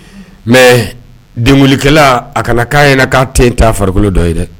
Mais deŋulikɛla a kana k'a ɲɛna k'a ten t'a farikolo dɔ ye dɛ